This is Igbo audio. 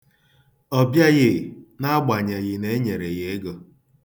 Ọ bịaghị, n'agbanyeghi na e nyere ya ego.